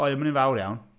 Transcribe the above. O' hi'm yn un fawr iawn.